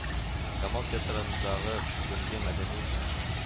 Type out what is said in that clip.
Камал театрындагы бүгенге мәдәни